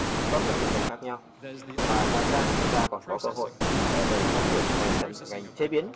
các loại sản phẩm khác nhau và ngoài ra chúng ta còn có cơ hội để phát triển ngành sản xuất ngành chế biến